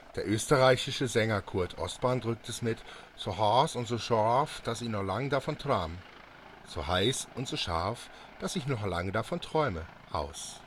Der österreichische Sänger Kurt Ostbahn drückt es mit: „ So haaß und so schoaf Daß i no lang davon tram “(„ So heiß und so scharf, dass ich noch lange davon träume “) aus